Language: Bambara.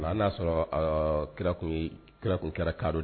Nka n'a y'a sɔrɔ kira, kira kun kɛra kaadɔ ye!